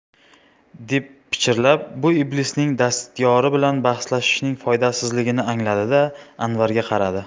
deb pichirlab bu iblisning dastyori bilan bahslashishning foydasizligini angladi da anvarga qaradi